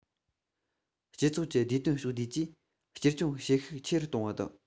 སྤྱི ཚོགས ཀྱི བདེ དོན ཕྱོགས བསྡུས ཀྱིས བཅོས སྐྱོང བྱེད ཤུགས ཆེ རུ གཏོང བ དང